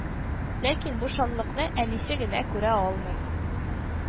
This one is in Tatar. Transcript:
Ләкин бу шатлыкны әнисе генә күрә алмый